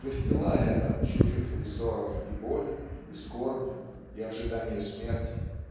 застилая от чужих взоров и боль и скорбь и ожидание смерти.